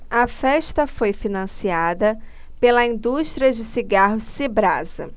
a festa foi financiada pela indústria de cigarros cibrasa